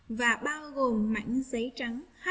và bao gồm mảnh giấy trắng